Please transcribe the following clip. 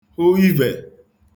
hụ ivbe